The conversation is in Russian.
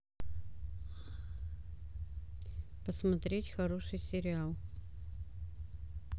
посмотреть хороший сериал